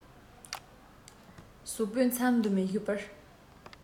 ཟོག པོའི མཚམ འདོན པའི བཞུ མར